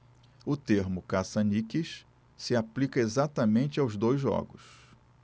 o termo caça-níqueis se aplica exatamente aos dois jogos